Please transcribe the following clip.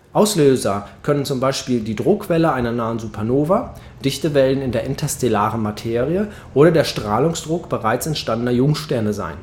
Auslöser können z. B. die Druckwelle einer nahen Supernova, Dichtewellen in der interstellaren Materie oder der Strahlungsdruck bereits entstandener Jungsterne sein